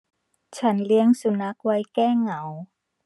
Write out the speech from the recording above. ฉันเลี้ยงสุนัขไว้แก้เหงา